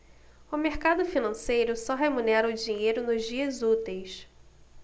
o mercado financeiro só remunera o dinheiro nos dias úteis